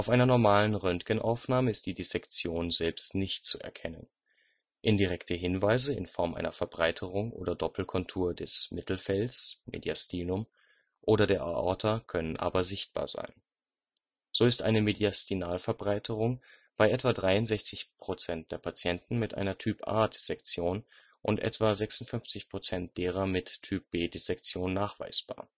einer normalen Röntgenaufnahme ist die Dissektion selbst nicht zu erkennen, indirekte Hinweise in Form einer Verbreiterung oder Doppelkontur des Mittelfells (Mediastinum) oder der Aorta können aber sichtbar sein. So ist eine Mediastinalverbreiterung bei etwa 63 % der Patienten mit einer Typ-A-Dissektion und etwa 56 % derer mit Typ-B-Dissektion nachweisbar